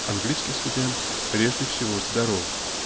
Английский студент, прежде всего, здоров.